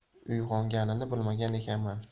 uyg'onayotganini bilmagan ekanman